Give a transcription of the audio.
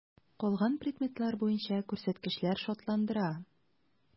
Калган предметлар буенча күрсәткечләр шатландыра.